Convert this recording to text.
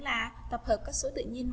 tập hợp các số tự nhiên